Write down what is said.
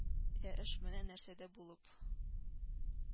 Ә эш менә нәрсәдә булып